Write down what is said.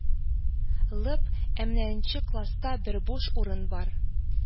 Лып: «ә менә нче класста бер буш урын бар